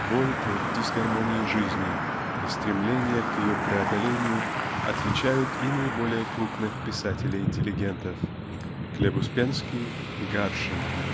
Боль от дисгармонии жизни и стремление к ее преодолению отличают и наиболее крупных писателей-интеллигентов (Гл. Успенский Гаршин).